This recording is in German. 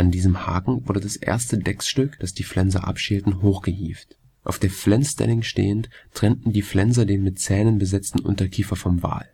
diesem Haken wurde das erste Decksstück, das die Flenser abschälten, hochgehievt. Auf der Flensstelling stehend, trennten die Flenser den mit Zähnen besetzten Unterkiefer vom Wal